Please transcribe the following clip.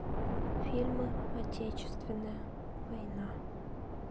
фильмы отечественная война